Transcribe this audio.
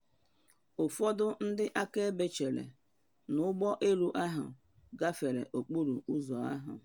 Ụfọdụ ndị akaebe chere na ụgbọ elu ahụ gbafere okporo ụzọ ahụ.